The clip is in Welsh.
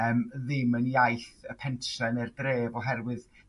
yym ddim yn iaith y pentre neu'r dref oherwydd